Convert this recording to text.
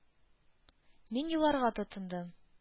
Мин еларга тотындым.